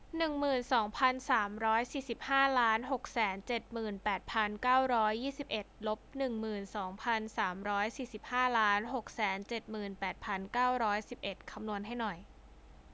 หนึ่งหมื่นสองพันสามร้อยสี่สิบห้าล้านหกแสนเจ็ดหมื่นแปดพันเก้าร้อยยี่สิบเอ็ดลบหนึ่งหมื่นสองพันสามร้อยสี่สิบห้าล้านหกแสนเจ็ดหมื่นแปดพันเก้าร้อยสิบเอ็ดคำนวณให้หน่อย